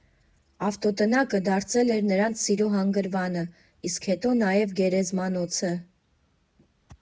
Ավտոտնակը դարձել էր նրանց սիրո հանգրվանը, իսկ հետո նաև գերեզմանոցը.